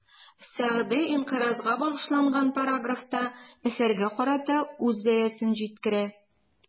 Сәгъди «инкыйраз»га багышланган параграфта, әсәргә карата үз бәясен җиткерә.